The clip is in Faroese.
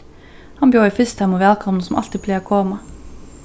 hann bjóðaði fyrst teimum vælkomnum sum altíð plagdu at koma